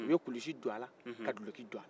u ye hulusi don ala ka guloki don ala